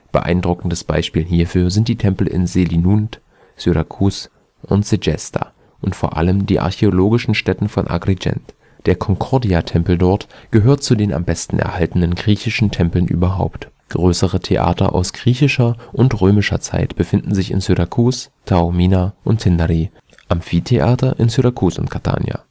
Beeindruckende Beispiele hierfür sind die Tempel in Selinunt, Syrakus und Segesta und vor allem die Archäologischen Stätten von Agrigent. Der Concordiatempel dort gehört zu den am besten erhaltenen griechischen Tempeln überhaupt. Größere Theater aus griechischer und römischer Zeit befinden sich in Syrakus, Taormina und Tindari, Amphitheater in Syrakus und Catania